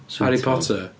Harry Potter?